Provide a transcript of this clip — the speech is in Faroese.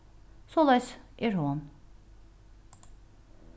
soleiðis er hon